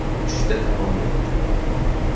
uchishda davom etdi